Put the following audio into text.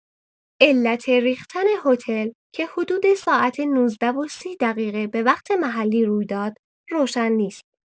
علت ریختن هتل که حدود ساعت ۱۹: ۳۰ به وقت محلی روی داد روشن نیست.